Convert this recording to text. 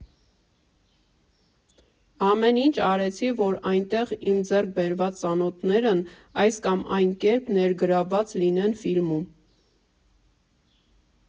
Ամեն ինչ արեցի, որ այնտեղ իմ ձեռք բերված ծանոթներն այս կամ այն կերպ ներգրավված լինեն ֆիլմում։